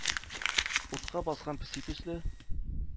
Утка баскан песи төсле,